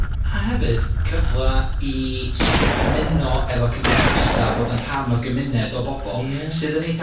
A hefyd cyfla i sort of ymuno efo cymdeithasa' bod yn rhan o gymuned o bobol sydd yn eithaf